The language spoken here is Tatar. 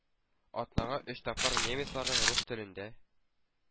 Атнага өч тапкыр немецларның рус телендә